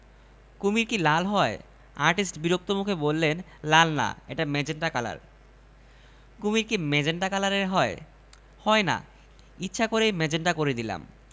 কুমীর কি লাল হয় আর্টিস্ট বিরক্ত মুখে বললেন লাল না এটা মেজেন্টা কালার কুমীর কি মেজেন্টা কালারের হয় হয় না ইচ্ছা করেই মেজেন্টা করে দিলাম